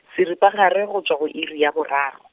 seripagare, go tšwa go iri ya boraro.